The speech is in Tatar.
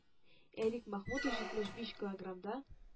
Эрик Мәхмүтов җитмеш биш килограммда